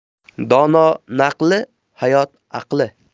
dono naqli hayot aqli